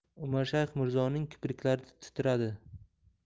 umarshayx mirzoning kipriklari titradi